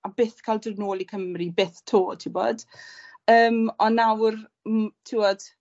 a byth cael dod nôl i Cymru byth 'to y ti'bod yym ond nawr m- t'wod,